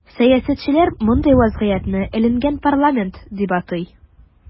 Сәясәтчеләр мондый вазгыятне “эленгән парламент” дип атый.